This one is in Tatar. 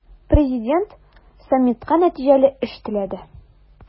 Президент саммитка нәтиҗәле эш теләде.